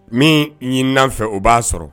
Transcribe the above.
Min ɲinan fɛ o b'a sɔrɔ